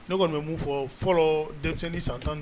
Ne kɔni bɛ mun fɔ fɔlɔ denmisɛnnin san tan de